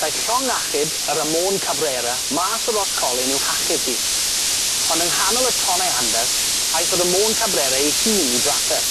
Daeth llong achub y Ramon Cabrera mas o Roscolyn i'w hachub hi, ond yng nghanol y tonnau anferth aeth y Ramon Cabrera ei hun i drafferth.